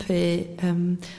helpu yym